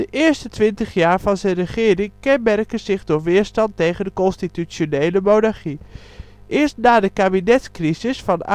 eerste twintig jaar van zijn regering kenmerken zich door weerstand tegen de constitutionele monarchie. Eerst na de kabinetscrisis van